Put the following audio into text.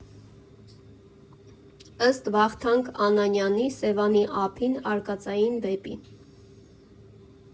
Ըստ Վախթանգ Անանյանի «Սևանի ափին» արկածային վեպի։